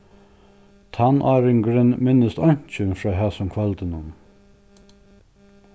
tannáringurin minnist einki frá hasum kvøldinum